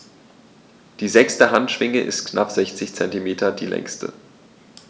Die sechste Handschwinge ist mit knapp 60 cm die längste.